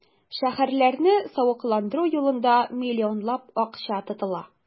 Шәһәрләрне савыкландыру юлында миллионлап акча тотыла.